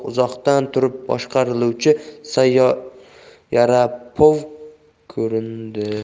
maxluq uzoqdan turib boshqariluvchi sayyorapoy ko'rindi